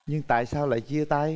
nhưng tại sao lại chia tay